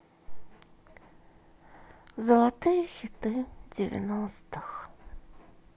золотые хиты девяностых